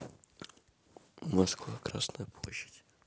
москва красная площадь